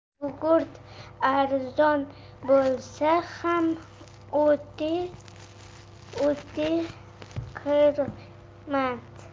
gugurt arzon bo'lsa ham o'ti qirnmat